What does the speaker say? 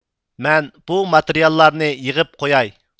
مەن بۇ ماتېرىياللارنى يىغىپ قوياي